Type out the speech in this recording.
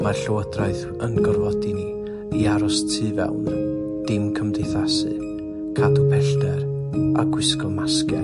mae'r llywodraeth yn gorfodi ni i aros tu fewn, dim cymdeithasu, cadw pellter a gwisgo masgiau.